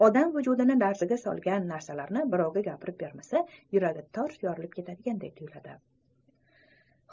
odam vujudini larzaga solgan narsasini birovga gapirib bermasa yuragi tars yorilib ketadiganday tuyuladi